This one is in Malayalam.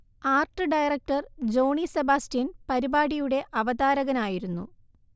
ആര്ട്ട് ഡയറക്ടർ ജോണി സെബാസ്റ്റ്യൻ പരിപാടിയുടെ അവതാരകനായിരുന്നു